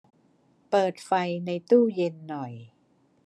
เปิดไฟในตู้เย็นหน่อย